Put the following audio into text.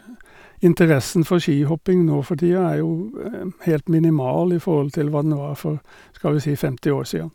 Interessen for skihopping nå for tida er jo helt minimal i forhold til hva den var for skal vi si femti år sia.